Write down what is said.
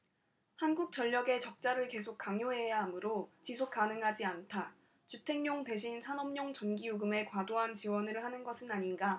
한국전력에 적자를 계속 강요해야 하므로 지속 가능하지 않다 주택용 대신 산업용 전기요금에 과도한 지원을 하는 것은 아닌가